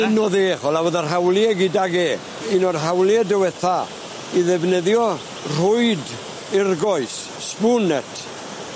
Ma'n 'yn o'dd e o'dd yr hawlie gydag e, un o'r hawlie diwetha i ddefnyddio rwyd irgoes, spoon net.